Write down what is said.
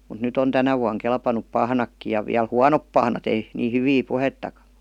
mutta nyt on tänä vuonna kelvannut pahnatkin ja vielä huonot pahnat ei niin hyviä puhettakaan